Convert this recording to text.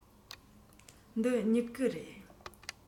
འདི སྨྱུ གུ རེད